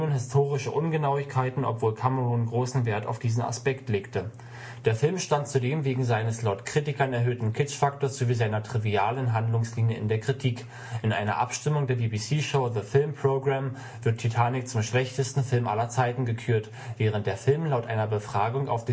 historische Ungenauigkeiten, obwohl Cameron großen Wert auf diesen Aspekt legte. Der Film stand zudem wegen seines laut Kritikern erhöhten Kitschfaktors sowie seiner trivialen Handlungslinie in der Kritik. In einer Abstimmung der BBC-Show The Film programme wird Titanic zum „ schlechtesten Film aller Zeiten “gekürt, während der Film laut einer Befragung auf